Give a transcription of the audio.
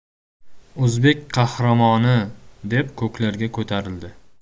o'zbek qahramoni deb ko'klarga ko'tarildi